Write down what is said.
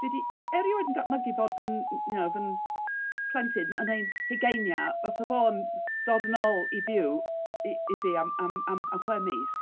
Dwi 'di erioed yn dychmygu fod fy you know fy plentyn yn ei hugeiniau fasai fo'n dod yn ôl i fyw i i fi am am am chwe mis.